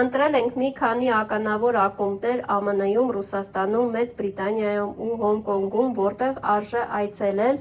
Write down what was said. Ընտրել ենք մի քանի ականավոր ակումբներ ԱՄՆ֊ում, Ռուսաստանում, Մեծ Բրիտանիայում ու Հոնկոնգում, որտեղ արժե այցելել,